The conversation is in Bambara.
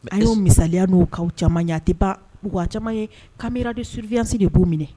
A yeo misaya n'o kaaw caman a tɛba bu caman ye kanmira de s suurbiyase de b'o minɛ